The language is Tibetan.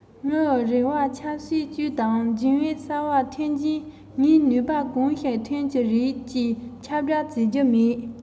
གང ཡིན ཞེ ན དེ ནི ངས ནུས པ ཐོན ཡས ཆེ དྲགས ན རྒྱལ ཁབ དང ཏང ལ ཕན ཐོགས མེད པ དང ཉིན ཞིག ཉེན ཁ ཆེན པོ ཡོང གི རེད